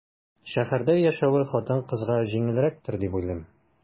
Шәһәрдә яшәве хатын-кызга җиңелрәктер дип уйлыйм.